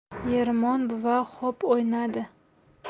ermon buva xo'p o'ynadi